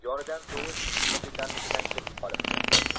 jonidan to'yib kapitannikidan ketib qolibdi